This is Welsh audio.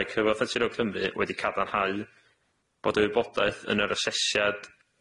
mae Cyfoeth Naturiol Cymru wedi cadarnhau bod y wybodaeth yn yr aseshiad